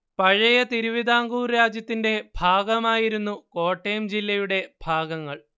പഴയ തിരുവിതാംകൂർ രാജ്യത്തിന്റെ ഭാഗമായിരുന്നു കോട്ടയം ജില്ലയുടെ ഭാഗങ്ങൾ